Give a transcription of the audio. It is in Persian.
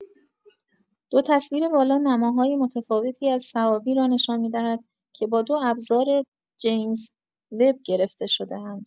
دو تصویر بالا نماهای متفاوتی از سحابی را نشان می‌دهند که با دو ابزار جیمز وب گرفته شده‌اند.